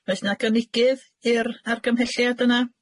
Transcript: Oes 'na gynigydd i'r argymhelliad yna?